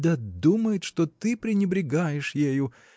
— Да думает, что ты пренебрегаешь ею.